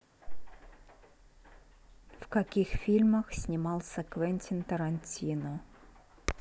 в каких фильмах снимался квентин тарантино